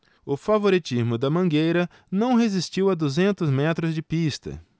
o favoritismo da mangueira não resistiu a duzentos metros de pista